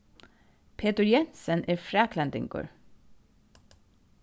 petur jensen er fraklendingur